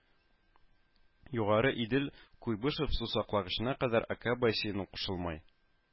Югары Идел, Куйбышев сусаклагычына кадәр Ока бассейны кушылмай